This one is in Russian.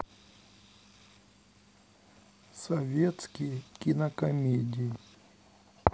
советские кинокомедии